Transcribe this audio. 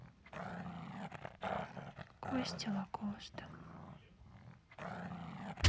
костя лакоста